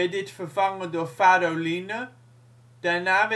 dit vervangen door pharoline. Daarna